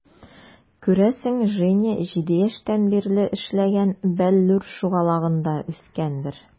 Күрәсең, Женя 7 яшьтән бирле эшләгән "Бәллүр" шугалагында үскәндер.